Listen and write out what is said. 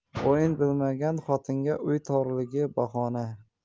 o'yin bilmagan xotinga uy torligi bahona